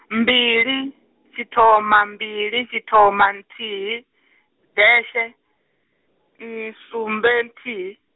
mbili, tshithoma mbili tshithoma nthihi, deshe, sumbe nthihi.